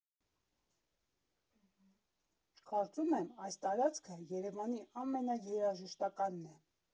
Կարծում եմ՝ այս տարածքը Երևանի ամենաերաժշտականն է։